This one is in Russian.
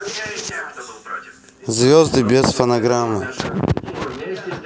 звезды без фонограммы